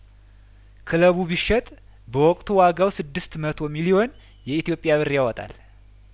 ክለቡ ቢሸጥ በወቅቱ ዋጋው ስድስት መቶ ሚሊዮን የኢትዮጵያ ብር ያወጣል